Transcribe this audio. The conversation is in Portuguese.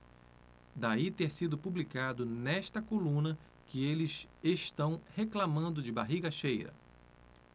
daí ter sido publicado nesta coluna que eles reclamando de barriga cheia